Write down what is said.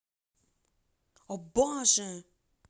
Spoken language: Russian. о боже